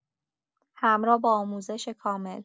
همراه با آموزش کامل